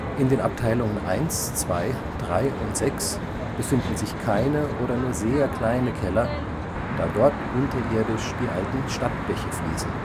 In den Abteilungen I, II, III und VI befinden sich keine oder nur sehr kleine Keller, da dort unterirdisch die alten Stadtbäche fließen